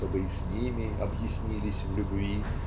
чтобы и с ними объяснились в любви".